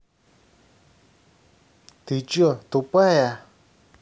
ты че тупая